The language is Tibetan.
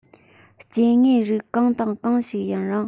སྐྱེ དངོས རིགས གང དང གང ཞིག ཡིན རུང